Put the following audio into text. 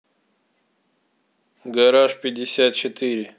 гараж пятьдесят четыре